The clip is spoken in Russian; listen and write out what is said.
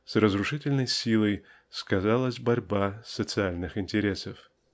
с разрушительной силой сказалась борьба социальных интересов.